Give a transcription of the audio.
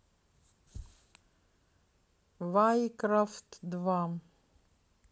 warcraft два